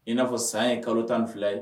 I n'afɔ san ye kalo tan fila ye